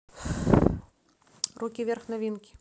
руки вверх новинки